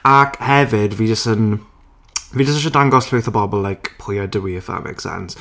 Ac hefyd fi jyst yn fi jyst isie dangos llwyth o bobl like pwy ydw i, if that makes sense.